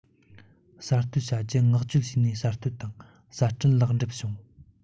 གསར གཏོད བྱ རྒྱུ མངགས བཅོལ བྱས ནས གསར གཏོད དང གསར སྐྲུན ལེགས འགྲུབ བྱུང